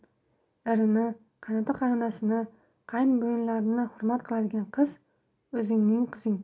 erini qaynota qaynonasini qaynbo'yinlarini hurmat qiladigan qiz o'zingning qizing